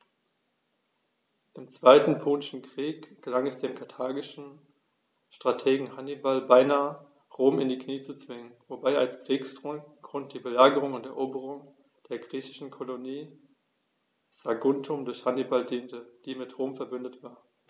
Im Zweiten Punischen Krieg gelang es dem karthagischen Strategen Hannibal beinahe, Rom in die Knie zu zwingen, wobei als Kriegsgrund die Belagerung und Eroberung der griechischen Kolonie Saguntum durch Hannibal diente, die mit Rom „verbündet“ war.